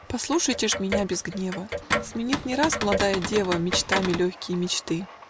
Послушайте ж меня без гнева: Сменит не раз младая дева Мечтами легкие мечты